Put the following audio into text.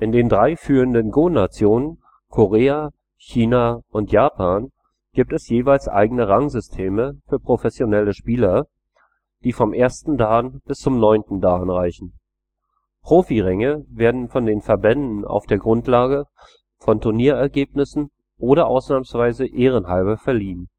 den drei führenden Go-Nationen Korea, China und Japan gibt es jeweils eigene Rangsysteme für professionelle Spieler, die vom 1. Dan bis zum 9. Dan reichen. Profi-Ränge werden von den Verbänden auf der Grundlage von Turnierergebnissen oder ausnahmsweise ehrenhalber verliehen